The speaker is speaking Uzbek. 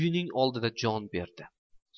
uyining oldida jon berdi